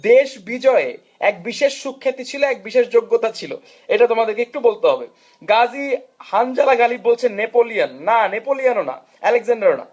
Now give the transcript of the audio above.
দেশ বিজয়ে এক বিশেষ সুখ্যাতি ছিল এক বিশেষ যোগ্যতা ছিল এটা তোমাদের কি একটু বলতে হবে গাজী হানযালা গালিব বলছেন নেপোলিয়ন না নেপোলিয়ান ও না আলেকজান্ডার ও না